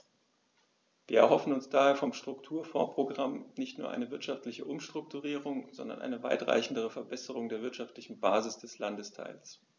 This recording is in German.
Wir erhoffen uns daher vom Strukturfondsprogramm nicht nur eine wirtschaftliche Umstrukturierung, sondern eine weitreichendere Verbesserung der wirtschaftlichen Basis des Landesteils.